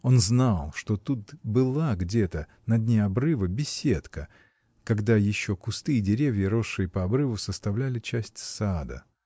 Он знал, что тут была где-то, на дне обрыва, беседка, когда еще кусты и деревья, росшие по обрыву, составляли часть сада.